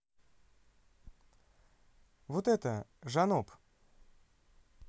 вот это жаноб